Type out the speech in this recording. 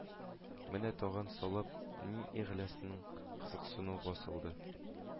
Мәне тагын салып, ни эләгәсенә кызыксынуы басылды